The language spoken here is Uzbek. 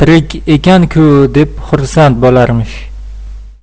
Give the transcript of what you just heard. ekan ku deb xursand bo'larmish